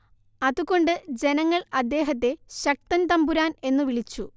അതുകൊണ്ട് ജനങ്ങൾ അദ്ദേഹത്തെ ശക്തൻ തമ്പുരാൻ എന്നു വിളിച്ചു